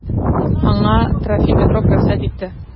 Аңа Трофим Петров рөхсәт итте.